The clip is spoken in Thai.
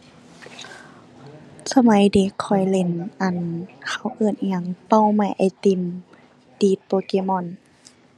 สมัยเด็กข้อยเล่น อั่น เขาเอิ้นอิหยัง เป่าไม้ไอติม ตี Pokemon